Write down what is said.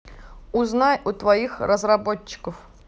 узнай у твоих разработчиков